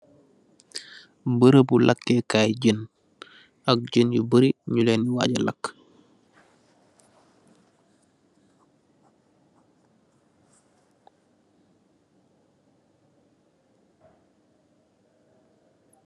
Barabu lake kaay jen ak jen yu baari nyu leeni waja laaka